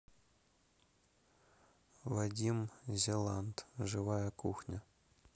вадим зеланд живая кухня